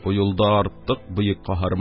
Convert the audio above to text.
Бу юлда артык бөек каһарман